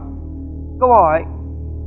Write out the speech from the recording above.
câu hỏi